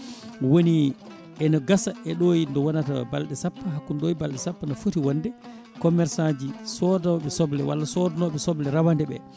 woni ene gaasa ɗo nde wonata balɗe sappo hakkude ɗo e balɗe sappo ne footi wonde commerçant ji sodoɓe soble walla sodnoɓe soble rawande ɓe